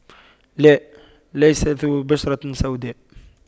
لاء ليس ذو بشرة سوداء